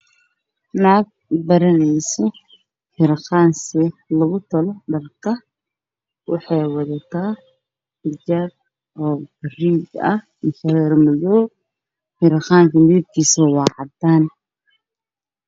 Waa naag baraneyso sida lootolo harqaan ka